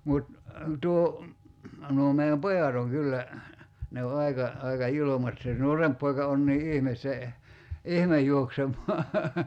mutta tuo nuo meidän pojat on kyllä ne on aika aika julmat se nuorempi poika on niin ihme se ihme juoksemaan